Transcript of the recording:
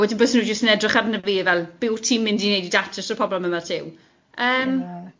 A wedyn byse nhw jyst yn edrych arno fi fel, be wyt ti'n mynd i wneud i datrys y broblem yma te. Yym... Ie